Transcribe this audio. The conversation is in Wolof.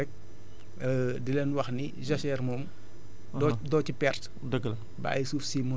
donc nit ñi xam nañ ko ñu leen ciy gën a encouragé rek di leen wax ni jachère moom